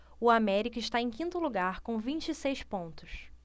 o américa está em quinto lugar com vinte e seis pontos